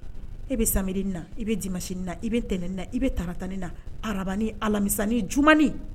E bɛ sari na i bɛ dii masi na i bɛ t ne na i bɛ tara tan ni na araba ni alaminin j